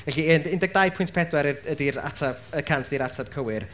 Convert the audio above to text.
felly un undeg dau pwynt pedwar y- ydy'r ateb cywir.